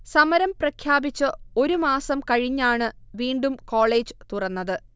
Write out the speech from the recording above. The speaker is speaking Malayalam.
സമരം പ്രഖ്യാപിച്ച് ഒരു മാസം കഴിഞ്ഞാണു വീണ്ടും കോളേജ് തുറന്നത്